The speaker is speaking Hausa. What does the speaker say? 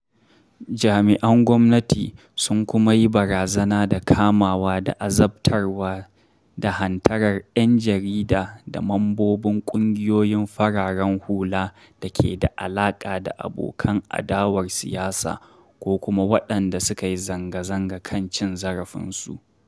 Jami’an gwamnati sun kuma yi barazana da kamawa da azabtarwa da hantarar ‘yan jarida da mambobin ƙugiyoyin fararen hula da ke da alaƙa da abokan adawar siyasa ko kuma waɗanda suka yi zanga-zanga kan cin zarafinsu.